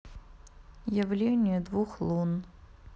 явление двух лун